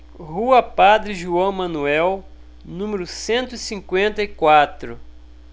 rua padre joão manuel número cento e cinquenta e quatro